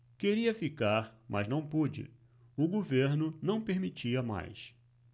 queria ficar mas não pude o governo não permitia mais